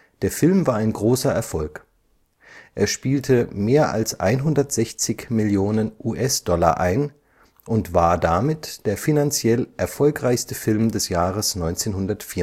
Der Film war ein großer Erfolg. Er spielte mehr als 160 Millionen US-Dollar ein und war damit der finanziell erfolgreichste Film des Jahres 1974